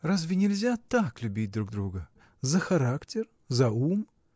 Разве нельзя так любить друг друга: за характер, за ум?